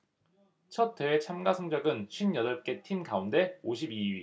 첫 대회 참가 성적은 쉰 여덟 개 팀 가운데 오십 이 위